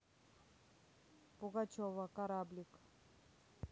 пугачева кораблик